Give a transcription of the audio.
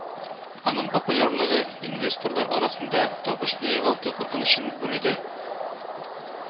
Аның популярлыгы инвесторлар арасында табышны югалту куркынычын бүлүдә